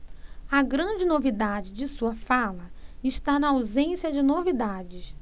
a grande novidade de sua fala está na ausência de novidades